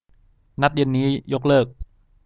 นัดเย็นนี้ยกเลิก